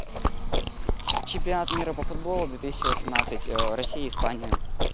чемпионат мира по футболу две тысячи восемнадцать россия испания